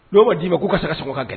N'oa d' ma k' ka so ka gɛlɛn